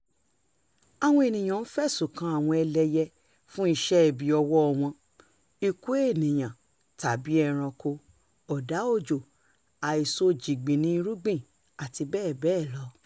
Àwọn ènìyàn ń f'ẹ̀sùn kan àwọn ẹlẹyẹ fún iṣẹ́-ibi ọwọ́ọ wọn: ikú ènìyàn tàbí ẹranko, ọ̀dá òjò, àìso jìngbìnnì irúgbìn, àti bẹ́èbẹ́è lọ.